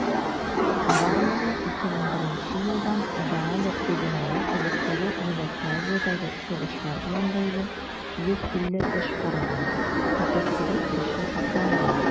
Барлыгы 2001 елдан Гаага трибуналы элеккеге Югославиядәге сугышлар белән бәйле 150 эш караган; 38 кеше акланган.